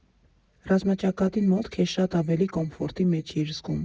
«Ռազմաճակատին մոտ քեզ շատ ավելի կոմֆորտի մեջ էիր զգում»